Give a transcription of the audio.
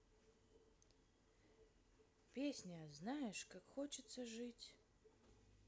песня знаешь как хочется жить